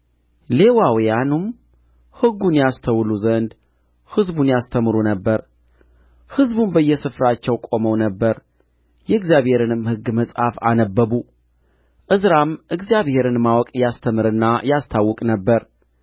ሌዋውያኑም ሕጉን ያስተውሉ ዘንድ ሕዝቡን ያስተምሩ ነበር ሕዝቡም በየስፍራቸው ቆመው ነበር የእግዚአብሔርንም ሕግ መጽሐፍ አነበቡ ዕዝራም እግዚአብሔርን ማወቅ ያስተምርና ያስታውቅ ነበር